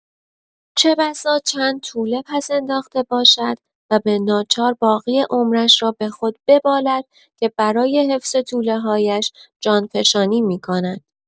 چه‌بسا چند توله پس‌انداخته باشد و به‌ناچار باقی عمرش را به خود ببالد که برای حفظ توله‌هایش جان‌فشانی می‌کند.